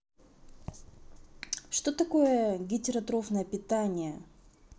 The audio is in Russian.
что такое гетеротрофное питание